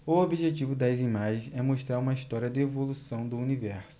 o objetivo das imagens é mostrar uma história da evolução do universo